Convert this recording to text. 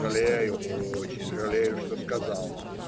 Жалею, очень жалею, что сказал